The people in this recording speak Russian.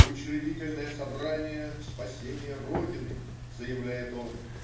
"Учредительное собрание - спасение Родины!" - заявляет он.